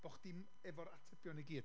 bo' chdi'm efo'r atebion i gyd?